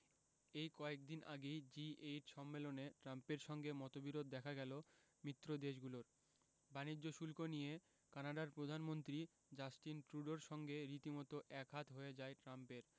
এই কয়েক দিন আগেই জি এইট সম্মেলনে ট্রাম্পের সঙ্গে মতবিরোধ দেখা গেল মিত্রদেশগুলোর বাণিজ্য শুল্ক নিয়ে কানাডার প্রধানমন্ত্রী জাস্টিন ট্রুডোর সঙ্গে রীতিমতো একহাত হয়ে যায় ট্রাম্পের